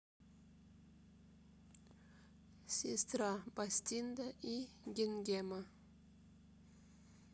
сестра бастинда и гингема